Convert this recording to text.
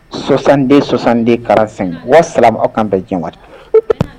Sɔsan den sɔsan den kalan wa sa aw kan bɛn jan